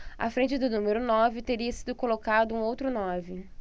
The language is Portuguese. à frente do número nove teria sido colocado um outro nove